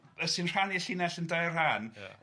os ti'n rhannu'i llinell yn dair rhan... Ia